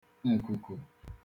nkùkù